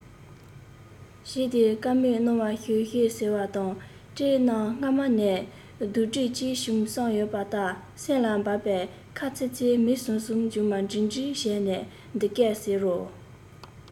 བྱེད དེ བཀའ མོལ གནང བར ཞུ ཞེས ཟེར བ དང སྤྲེའུ རྣམས སྔ མ ནས སྡུམ འགྲིག ཅིག བྱུང བསམ ཡོད པ ལྟར སེམས ལ བབས པས ཁ ཚེག ཚེག མིག ཟུམ ཟུམ མཇུག མ འགྲིལ འགྲིལ བྱས ནས འདི སྐད ཟེར རོ